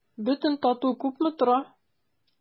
Бөтен тату күпме тора?